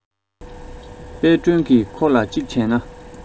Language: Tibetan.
དཔལ སྒྲོན གྱིས ཁོ ལ གཅིག བྱས ན